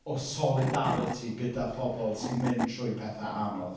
o solidariti gyda phobl sy'n mynd trwy pethe anodd.